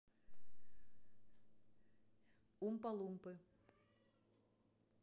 умпа лумпы